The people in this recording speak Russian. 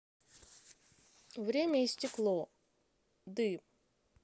время и стекло дым